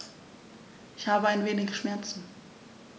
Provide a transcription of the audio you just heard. Ich habe ein wenig Schmerzen.